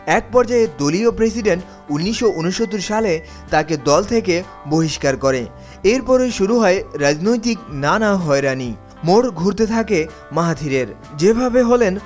এক পর্যায়ে দলীয় প্রেসিডেন্ট ১৯৬৯ সালে তাকে দল থেকে বহিস্কার করে এরপরই শুরু হয় রাজনৈতিক নানা হয়রানি মোর ঘুরতে থাকে মাহাথিরের যেভাবে হলেন